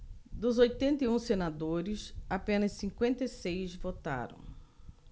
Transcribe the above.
dos oitenta e um senadores apenas cinquenta e seis votaram